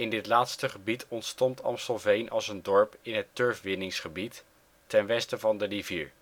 dit laatste gebied ontstond Amstelveen als een dorp in het turfwinningsgebied ten westen van de rivier